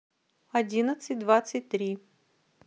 одиннадцать двадцать три